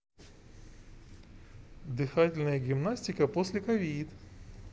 дыхательная гимнастика после covid